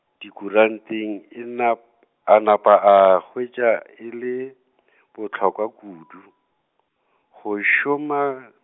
dikuranteng e nap-, a napa a hwetša e le , bohlokwa kudu, go šoma.